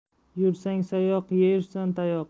yursang sayoq yersan tayoq